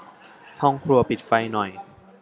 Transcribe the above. ห้องครัวปิดไฟหน่อย